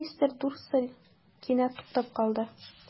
Мистер Дурсль кинәт туктап калды.